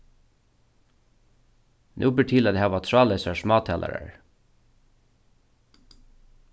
nú ber til at hava tráðleysar smátalarar